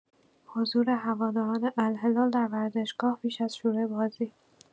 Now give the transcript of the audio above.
حضور هواداران الهلال در ورزشگاه پیش از شروع بازی